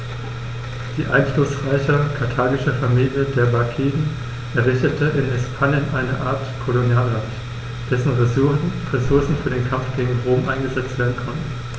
Die einflussreiche karthagische Familie der Barkiden errichtete in Hispanien eine Art Kolonialreich, dessen Ressourcen für den Kampf gegen Rom eingesetzt werden konnten.